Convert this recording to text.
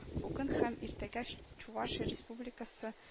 Бүген һәм иртәгә Чувашия Республикасы